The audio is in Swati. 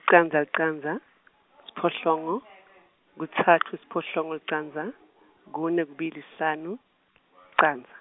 candza, licandza, siphohlongo, kutsatfu, siphohlongo, licandza, kune, kubili, sihlanu, licandza.